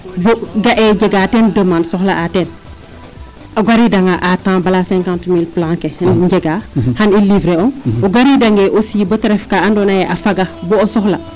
wo a ga'a jega teen demande soxla a teen o gariida nga a temps bala cinquante mille plan i njega xam i livrer ong o gariide nge aussi bata ref kaa ando naye a faga boo o soxla